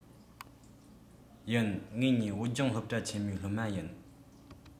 ཡིན ངེད གཉིས བོད ལྗོངས སློབ གྲྭ ཆེན མོའི སློབ མ ཡིན